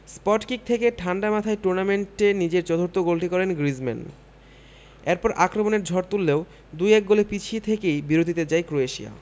spot kick থেকে ঠাণ্ডা মাথায় টুর্নামেন্টে নিজের চতুর্থ গোলটি করেন গ্রিজমান এরপর আক্রমণের ঝড় তুললেও ২ ১ গোলে পিছিয়ে থেকেই বিরতিতে যায় ক্রোয়েশিয়া